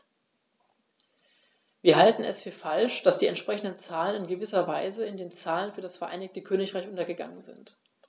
Wir halten es für falsch, dass die entsprechenden Zahlen in gewisser Weise in den Zahlen für das Vereinigte Königreich untergegangen sind.